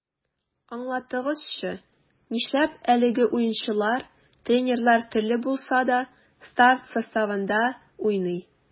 Аңлатыгызчы, нишләп әлеге уенчылар, тренерлар төрле булса да, старт составында уйный?